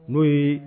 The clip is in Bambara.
' ye